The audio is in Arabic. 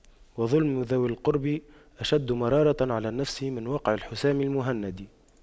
وَظُلْمُ ذوي القربى أشد مرارة على النفس من وقع الحسام المهند